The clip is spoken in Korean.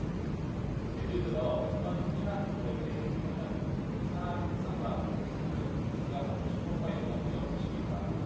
예를 들어 어떤 충실한 인물에 대해 읽는다면 그 사람의 특성과 행동을 그가 받은 축복과 연관 지어 보시기 바랍니다